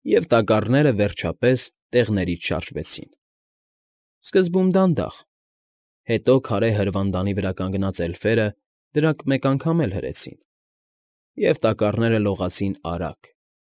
Եվ տակառները, վերջապես, տեղներից շարժվեցին, սկզբում դանդաղ, հետո քարե հրվանդանի վրա կանգնած էլֆերը դրանք մեկ անգամ էլ հրեցին, և տակառները լողացին արագ,